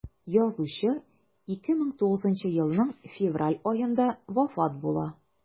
Язучы 2009 елның февраль аенда вафат була.